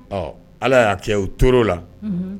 Ɔ ala y'a kɛ, u tor'o la